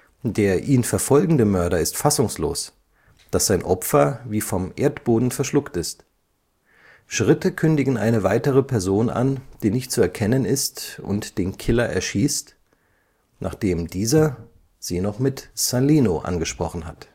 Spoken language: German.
Der ihn verfolgende Mörder ist fassungslos, dass sein Opfer wie vom Erdboden verschluckt ist. Schritte kündigen eine weitere Person an, die nicht zu erkennen ist und den Killer erschießt, nachdem dieser sie noch mit „ Salino “angesprochen hat